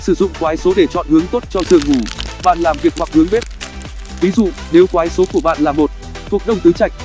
sử dụng quái số để chọn hướng tốt cho giường ngủ bàn làm việc hoặc hướng bếp ví dụ nếu quái số của bạn là thuộc đông tứ trạch